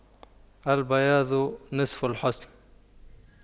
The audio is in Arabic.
البياض نصف الحسن